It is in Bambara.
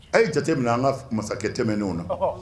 A ye jate min an ka masakɛ tɛmɛnenw na